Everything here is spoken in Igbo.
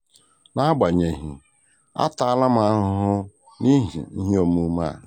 N'agbanyeghị, a taala m ahụhụ n'ihi ihe omume a.